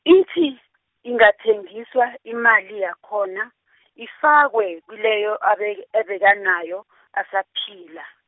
ithi, ingathengiswa imali yakhona , ifakwe kileyo abek- abekanayo , asaphila.